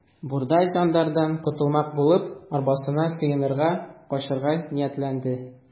Буртай жандардан котылмак булып, арбасына сыенырга, качарга ниятләде.